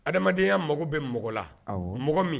Adamadenyaya mago bɛ mɔgɔ la mɔgɔ min